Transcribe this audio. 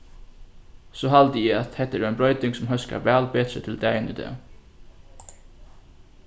so haldi eg at hetta er ein broyting sum hóskar væl betri til dagin í dag